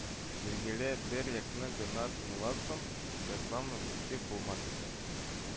Билгеле, бер якны гына тыңласам, язмам объектив булмас иде